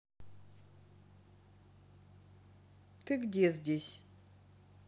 ты где есть